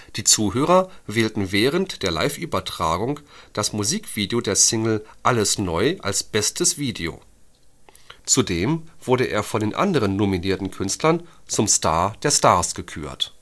Die Zuschauer wählten während der Live-Übertragung das Musikvideo der Single Alles neu als Bestes Video, zudem wurde er von den anderen nominierten Künstlern zum Star der Stars gekürt